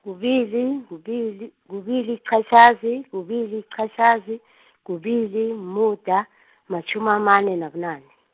kubili, kubili kubili, liqaqhazi, kubili, liqaqhazi , kubili, umuda , matjhumi amane nabunane.